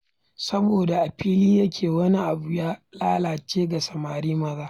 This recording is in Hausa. Saboda a fili yake wani abu ya lalace ga samari maza.'